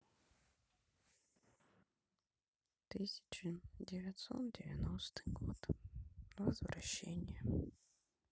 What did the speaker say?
тысяча девятьсот девяностый год возвращение